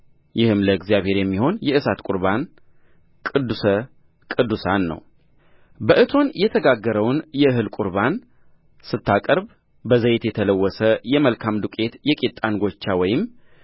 ይህም ለእግዚአብሔር የሚሆን የእሳት ቍርባን ቅዱስ ቅዱሳን ነውበእቶን የተጋገረውን የእህል ቍርባን ስታቀርብ በዘይት የተለወሰ የመልካም ዱቄት የቂጣ እንጐቻ ወይም